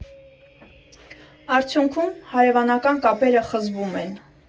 Արդյունքում՝ հարևանական կապերը խզվում են։